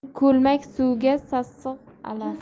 ko'lmak suvga sassiq alaf